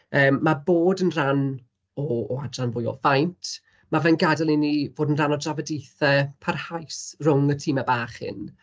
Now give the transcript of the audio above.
Yym 'ma bod yn ran o o adran fwy o faint, ma' fe'n gadael i ni fod yn ran o drafodaethau parhaus rwng y time bach hyn.